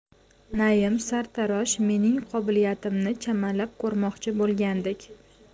naim sartarosh mening qobiliyatimni chamalab ko'rmoqchi bo'lgandek